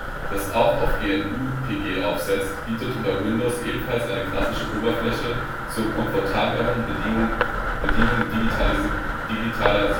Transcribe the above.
das auch auf GnuPG aufsetzt, bietet unter Windows ebenfalls eine grafische Oberfläche zur komfortableren Bedienung digitaler Signierungen. Für